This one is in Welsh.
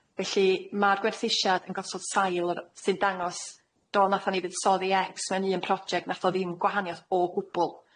Felly ma'r gwerthusiad yn gosod sail yr- sy'n dangos, do, nathon ni fuddsoddi ecs mewn un project, nath o ddim gwahanieth o gwbwl.